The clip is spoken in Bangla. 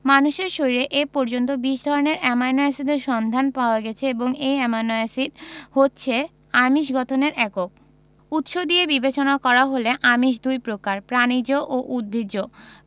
মানুষের শরীরে এ পর্যন্ত ২০ ধরনের অ্যামাইনো এসিডের সন্ধান পাওয়া গেছে এবং এই অ্যামাইনো এসিড হচ্ছে আমিষ গঠনের একক উৎস দিয়ে বিবেচনা করা হলে আমিষ দুই প্রকার প্রাণিজ ও উদ্ভিজ্জ